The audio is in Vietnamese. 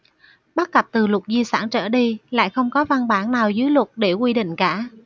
bất cập từ luật di sản trở đi lại không có văn bản nào dưới luật để quy định cả